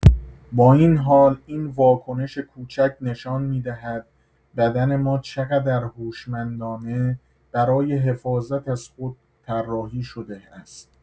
با این حال، این واکنش کوچک نشان می‌دهد بدن ما چقدر هوشمندانه برای حفاظت از خود طراحی شده است.